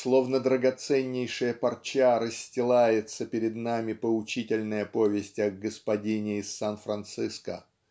словно драгоценнейшая парча расстилается перед нами поучительная повесть о "господине из Сан-Франциско"